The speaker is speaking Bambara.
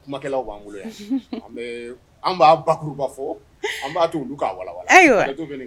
'an an b'a baba fɔ an b'a' wa